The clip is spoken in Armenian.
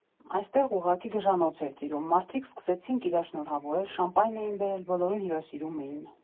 Այստեղ ուղղակի գժանոց էր տիրում, մարդիկ սկսեցինք իրար շնորհավորել, շամպայն էին բերել, բոլորին հյուրասիրում էին։